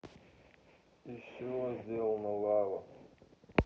из чего сделана лава